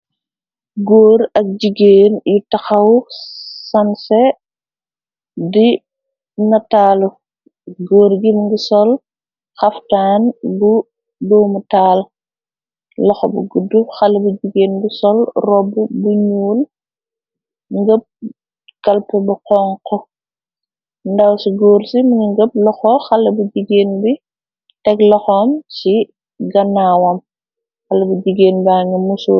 Góor ak jigéen yu taxaw, sanse di nataalu, góorgi mu ngi sol xaftaan bu doomu taal loxo bu guddu. Xalé bu jigeen bi sol robbu bu ñuul, ngëb kalpe bu xonx. Ndaw su góor si mu ngi ngëb loxo xalé bu jigeen bi teg laxom si gannaawam. Xalé bu jigéen baa ngi musooru.